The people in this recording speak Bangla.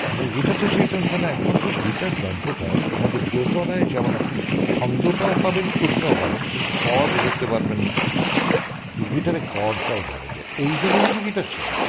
তাও গিটারটা শিখলাম কেন কারণ একমাত্র গিটার যন্ত্র টায় আমাদের দোতরায় যেমন আপনি ছন্দটা ও পাবেন সুরটাও পাবেন কিন্তু কর্ড ধরতে পারবেন না গিটারে কর্ড টাও ধরা যায় এই জন্য কিন্তু গিটার শেখা